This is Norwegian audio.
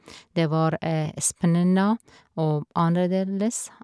Det var spennende og annerledes.